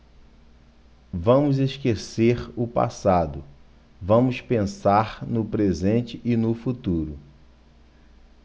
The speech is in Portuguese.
vamos esquecer o passado vamos pensar no presente e no futuro